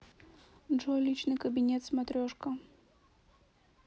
джой личный кабинет смотрешка